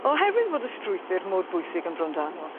Oherwydd fod y strwythur mor bwysig yn Brondanw